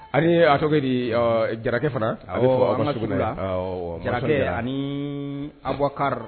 Hali ato de jarakɛ fana la jara ani a bɔkari